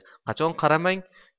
qachon qaramang